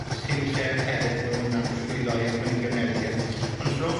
achos chi'm isie y peryg bo' hwnna'n trosglwyddo i'r planhigion newydd. Ond os rhowch